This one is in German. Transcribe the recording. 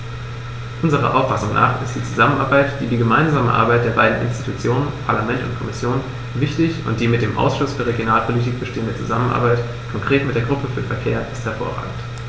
Unserer Auffassung nach ist die Zusammenarbeit, die gemeinsame Arbeit der beiden Institutionen - Parlament und Kommission - wichtig, und die mit dem Ausschuss für Regionalpolitik bestehende Zusammenarbeit, konkret mit der Gruppe für Verkehr, ist hervorragend.